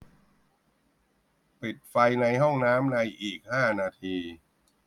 ปิดไฟในห้องน้ำในอีกห้านาที